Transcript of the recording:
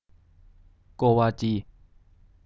โกวาจี